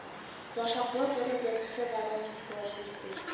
Башаклы бүре бөресе воронец колосистый